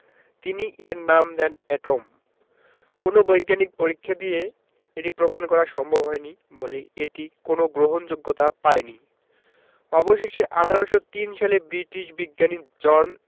ক্ষুদ্র আর অবিভাজ্য তিনি এর নাম দেন এটম কোনো বৈজ্ঞানিক পরীক্ষা দিয়ে এটি প্রমাণ করা সম্ভব হয়নি বলে এটি কোনো গ্রহণযোগ্যতা পায়নি অবশেষে ১৮০৩ সালে ব্রিটিশ বিজ্ঞানী জন